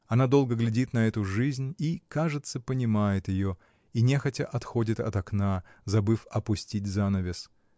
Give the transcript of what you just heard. Она долго глядит на эту жизнь и, кажется, понимает ее и нехотя отходит от окна, забыв опустить занавес.